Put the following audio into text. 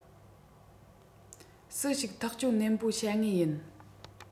སུས ཞིག ཐག གཅོད ནན པོ བྱ ངོས ཡིན